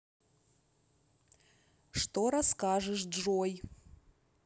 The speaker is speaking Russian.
что расскажешь джой